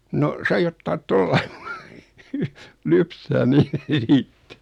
no sai ottaa tuolla lailla lypsää niitä